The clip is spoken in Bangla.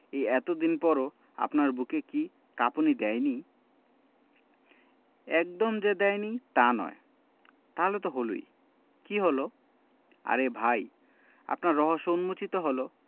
এই এত দিন পরও আপনার বুকে কি কাঁপুনি দেয়নি একদম যে দেয়নি তা নয় তাহলে তো হলোই কী হলো আরে ভাই আপনার রহস্য উম্মোচিত হলো